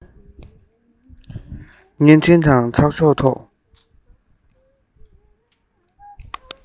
བརྙན འཕྲིན དང ཚགས ཤོག ཐོག